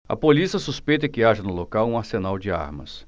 a polícia suspeita que haja no local um arsenal de armas